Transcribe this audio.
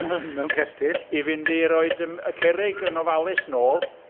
Mewn cestyll... I fynd i roi y cerrig yn ofalus nôl...